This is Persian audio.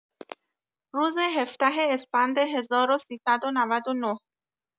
روز ۱۷ اسفند ۱۳۹۹